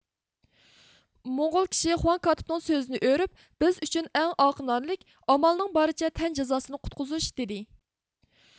موڭغۇل كىشى خۇاڭ كاتىپنڭ سۆزىنى ئۆرۈپ بىز ئۈچۈن ئەڭ ئاقلانىلىك ئامالنىڭ بارىچە تەن جازاسىدىن قۇتقۇزۇش دىدى